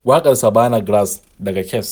1. "Waƙar Saɓannah Grass" daga Kes